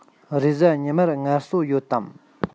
རེས གཟའ ཉི མར ངལ གསོ ཡོད དམ